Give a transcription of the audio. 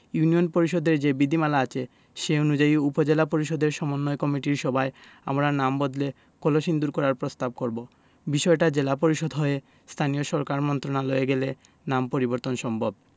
union পরিষদের যে বিধিমালা আছে সে অনুযায়ী উপজেলা পরিষদের সমন্বয় কমিটির সভায় আমরা নাম বদলে কলসিন্দুর করার প্রস্তাব করব বিষয়টা জেলা পরিষদ হয়ে স্থানীয় সরকার মন্ত্রণালয়ে গেলে নাম পরিবর্তন সম্ভব